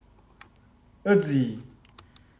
ཨ ཙི